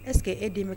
Ɛseke e den